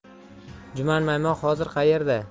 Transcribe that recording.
juman maymoq hozir qayerda